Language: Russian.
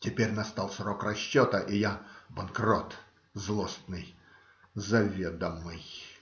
Теперь настал срок расчета - и я банкрот, злостный, заведомый.